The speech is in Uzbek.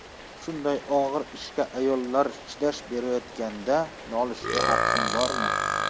shunday og'ir ishga ayollar chidash berayotganda nolishga haqqim bormi